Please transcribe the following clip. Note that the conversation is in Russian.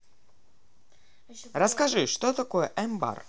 расскажи что такое амбар